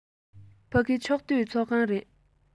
ཕ གི ཕྱོགས བསྡུས ཚོགས ཁང རེད